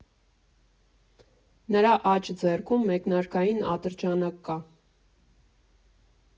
Նրա աջ ձեռքում մեկնարկային ատրճանակ կա։